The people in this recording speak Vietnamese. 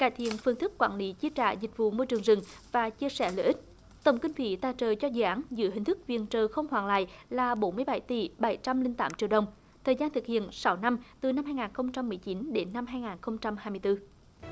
cải thiện phương thức quản lý chi trả dịch vụ môi trường rừng và chia sẻ lợi ích tổng kinh phí tài trợ cho dự án dưới hình thức viện trợ không hoàn lại là bốn mươi bảy tỷ bảy trăm linh tám triệu đồng thời gian thực hiện sáu năm từ năm hai ngàn không trăm mười chín đến năm hai ngàn không trăm hai mươi tư